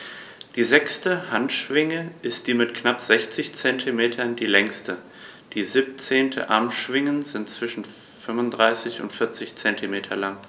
Die sechste Handschwinge ist mit knapp 60 cm die längste. Die 17 Armschwingen sind zwischen 35 und 40 cm lang.